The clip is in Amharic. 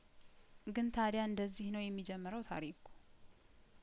ግን ታዲያ እንደዚህ ነው የሚጀምረው ታሪኩ